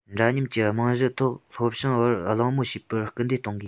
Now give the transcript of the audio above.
འདྲ མཉམ གྱི རྨང གཞིའི ཐོག ལྷོ བྱང བར གླེང མོལ བྱེད པར སྐུལ འདེད གཏོང དགོས